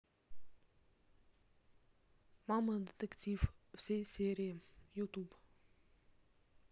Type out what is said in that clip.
мама детектив все серии ютуб